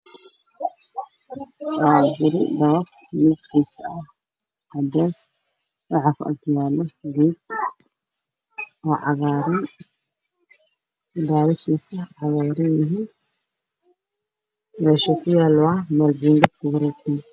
Waa guri cadeys ah waxaa ku ag yaalla geed